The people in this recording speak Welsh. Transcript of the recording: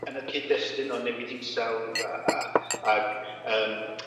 yn y cyd-destun o newid hinsawdd a a ag ag yym